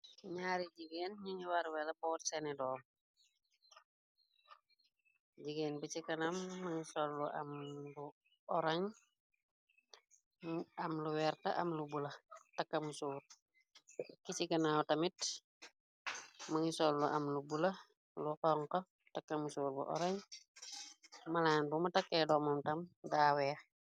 Ñaari jigéen ñuñ war wela boot sééni doom jigéen bi ci kanam mëngi sol am lu am lu orañ, mugii am lu werta am lu bula takka musór, ki ci ganaw tamit mëngi sol lu am lu bula lu xonxu takka musór bu orañs malan bu ma takkee dóómam tam daa wèèx .